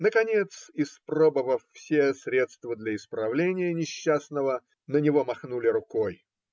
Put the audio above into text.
Наконец, испробовав все средства для исправления несчастного, на него махнули рукой.